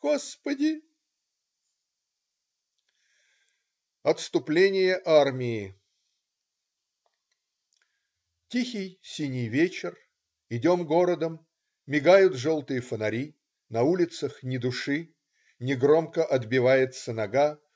Господи!" Отступление армии Тихий, синий вечер. Идем городом. Мигают желтые фонари. На улицах - ни души. Негромко отбивается нога.